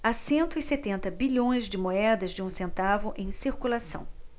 há cento e setenta bilhões de moedas de um centavo em circulação